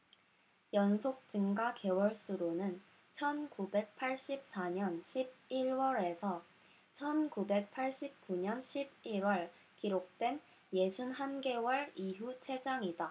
연속 증가 개월 수로는 천 구백 팔십 사 년 십 일 월 에서 천 구백 팔십 구 년 십 일 월 기록된 예순 한 개월 이후 최장이다